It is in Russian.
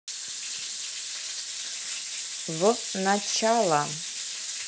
в начало